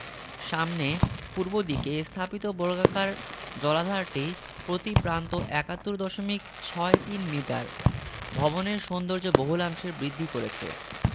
সামনে পূর্ব দিকে স্থাপিত বর্গাকার জলাধারটি প্রতি প্রান্ত ৭১ দশমিক ছয় তিন মিটার ভবনের সৌন্দর্য বহুলাংশে বৃদ্ধি করেছে